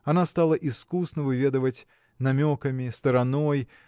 Она стала искусно выведывать намеками стороной